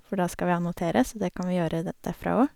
For da skal vi annotere, så det kan vi gjøre de derfra óg.